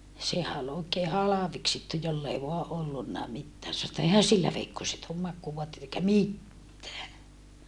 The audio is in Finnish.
sehän oli oikein halveksittu jolla ei vain ollutkaan mitään sanoi että eihän sillä veikkoset ole makuuvaatteita eikä mitään